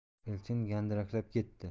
elchin gandiraklab ketdi